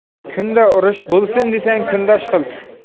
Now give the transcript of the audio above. kunda urush bo'lsin desang kundosh qil